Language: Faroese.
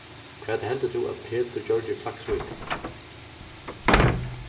hvat heldur tú at petur gjørdi í klaksvík